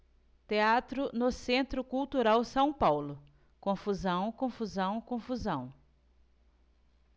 teatro no centro cultural são paulo confusão confusão confusão